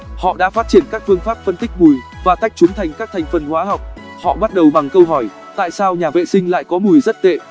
họ đã phát triển các phương pháp phân tích mùi và tách chúng thành các thành phần hóa học họ bắt đầu bằng câu hỏi tại sao nhà vệ sinh lại có mùi rất tệ